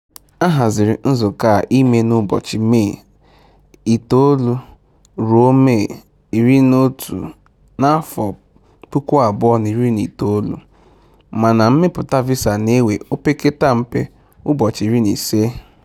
A hazịrị nzukọ a ime n'ụbọchị Mee 9 ruo Mee 11, 2019, mana mmepụta visa na-ewe opekata mpe ụbọchị 15.